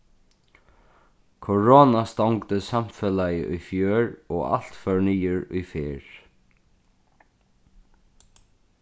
korona stongdi samfelagið í fjør og alt fór niður í ferð